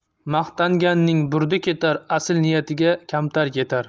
maqtanganning burdi ketar asl niyatiga kamtar yetar